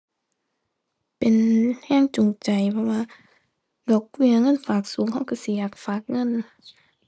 เป็นแรงจูงใจ เพราะว่าดอกเบี้ยเงินฝากสูงแรงแรงสิอยากฝากเงิน